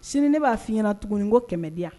Sini ne b'a fɔ i ɲɛnaɲɛna tuguni in ko kɛmɛ diya